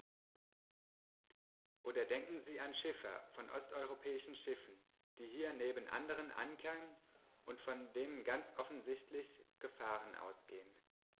Oder denken Sie an Schiffer von osteuropäischen Schiffen, die hier neben anderen ankern und von denen ganz offensichtlich Gefahren ausgehen.